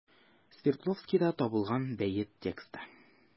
Свердловскида табылган бәет тексты.